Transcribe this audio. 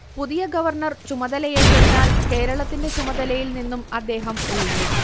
പുതിയ ഗവർണ്ണർ ചുമതലയേറ്റതിനാൽ കേരളത്തിന്റെ ചുമതലയിൽനിന്നും അദ്ദേഹം ഒഴിഞ്ഞു